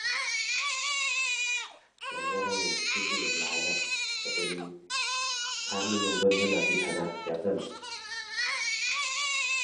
ก็บ่ได้คิดอิหยังหลายครับ ก็เป็นทางหนึ่งของเพิ่น เพิ่นอาจสิถนัดแบบนั้น